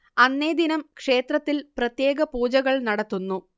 അന്നേ ദിനം ക്ഷേത്രത്തിൽ പ്രത്യേക പൂജകൾ നടത്തുന്നു